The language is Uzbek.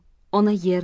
ona yer